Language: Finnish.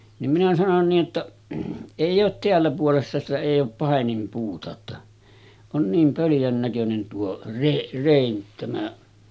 niin minä sanoin niin että ei ole täällä puolessa sitä ei ole paininpuuta jotta on niin pöljän näköinen tuo - rein tämä